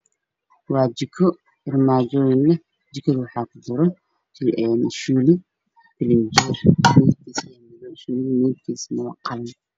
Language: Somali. Waajiko armaajooyin leh jikada waxaa ku jiro suuli midkiisu yahay madow suuliyiin midabkiisuna waa qalin